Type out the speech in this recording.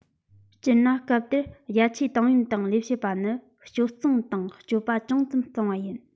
སྤྱིར ན སྐབས དེར རྒྱ ཆེའི ཏང ཡོན དང ལས བྱེད པ ནི སྤྱོད གཙང དང སྤྱོད པ ཅུང གཙང བ ཡིན